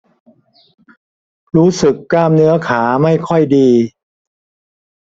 รู้สึกกล้ามเนื้อขาไม่ค่อยดี